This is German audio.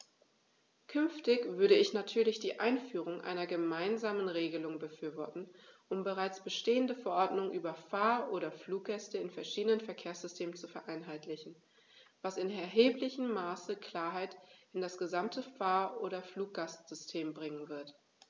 Künftig würde ich natürlich die Einführung einer gemeinsamen Regelung befürworten, um bereits bestehende Verordnungen über Fahr- oder Fluggäste in verschiedenen Verkehrssystemen zu vereinheitlichen, was in erheblichem Maße Klarheit in das gesamte Fahr- oder Fluggastsystem bringen wird.